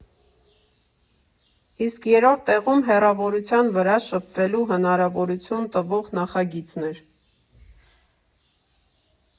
Իսկ երրորդ տեղում հեռավորության վրա շփվելու հնարավորություն տվող նախագիծն էր.